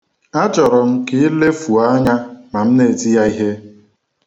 Achọrọ m ka i lefùo anya ma m na-eti ya ihe.